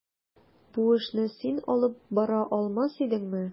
Бу эшне син алып бара алмас идеңме?